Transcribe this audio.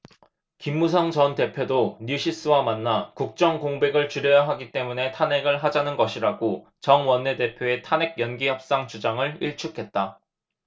김무성 전 대표도 뉴시스와 만나 국정 공백을 줄여야 하기 때문에 탄핵을 하자는 것이라고 정 원내대표의 탄핵 연기협상 주장을 일축했다